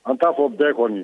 An t'a fɔ bɛɛ kɔni ye